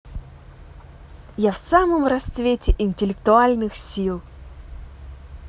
я в самом расцвете интеллектуальных сил